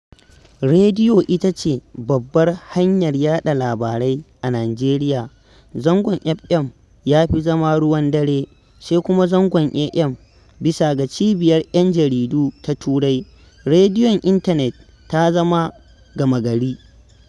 Rediyo ita ce babbar hanyar yaɗa labarai a Nijeriya. Zangon FM ya fi zama ruwan dare, sai kuma zangon AM. Bisa ga Cibiyar 'Yan Jaridu Ta Turai, rediyon intanet ma ta zama gama-gari.